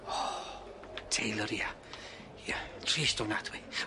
O Taylor ia. Ia. Trist ofnadwy.